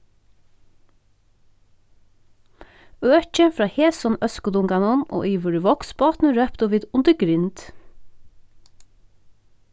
økið frá hesum øskudunganum og yvir í vágsbotn róptu vit undir grind